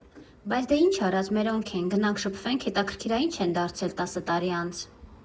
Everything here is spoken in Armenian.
Բայց դե ինչ արած, մերոնք են, գնանք շփվենք, հետաքրքիր ա՝ ի՞նչ են դարձել տասը տարի անց։